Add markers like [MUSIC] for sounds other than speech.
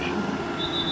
[NOISE] [HESITATION] [HESITATION] [NOISE]